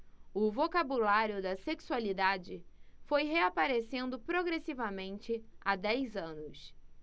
o vocabulário da sexualidade foi reaparecendo progressivamente há dez anos